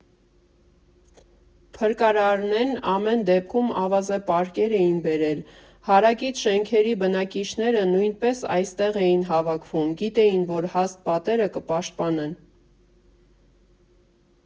Փրկարարներն ամեն դեպքում ավազե պարկեր էին բերել, հարակից շենքերի բնակիչները նույնպես այստեղ էին հավաքվում, գիտեին, որ հաստ պատերը կպաշտպանեն։